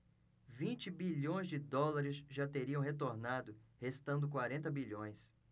vinte bilhões de dólares já teriam retornado restando quarenta bilhões